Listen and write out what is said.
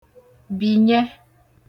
bìnyẹ